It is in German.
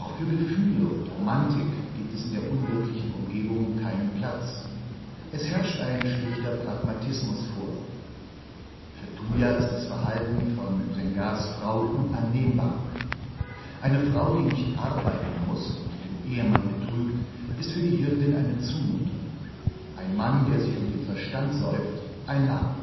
für Gefühle und Romantik gibt es in der unwirtlichen Umgebung keinen Platz, es herrscht ein schlichter Pragmatismus vor. Für Tuya ist das Verhalten von Sen'ges Frau unannehmbar: „ Eine Frau, die nicht arbeiten muss und den Ehemann betrügt, ist für die Hirtin eine Zumutung; ein Mann, der sich um den Verstand säuft, ein Narr